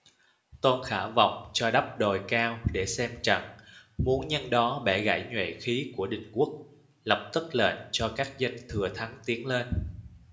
tôn khả vọng cho đắp đồi cao để xem trận muốn nhân đó bẻ gãy nhuệ khí của định quốc lập tức lệnh cho các doanh thừa thắng tiến lên